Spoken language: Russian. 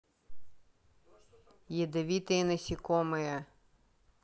ядовитые насекомые